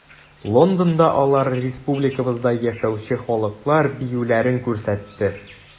Лондонда алар республикабызда яшәүче халыклар биюләрен күрсәтте.